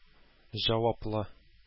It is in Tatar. Җаваплы